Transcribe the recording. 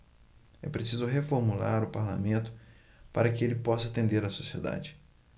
é preciso reformular o parlamento para que ele possa atender a sociedade